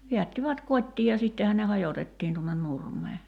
vedättivät kotiin ja sittenhän ne hajotettiin tuonne nurmelle